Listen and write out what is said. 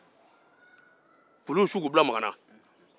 k'olu su k'u bila makan na